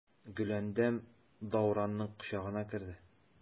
Гөләндәм Дәүранның кочагына керде.